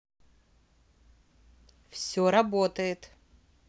все работает